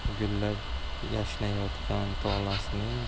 gullab yashnayotgan tolosning